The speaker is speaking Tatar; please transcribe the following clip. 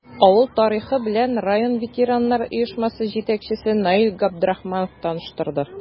Авыл тарихы белән район ветераннар оешмасы җитәкчесе Наил Габдрахманов таныштырды.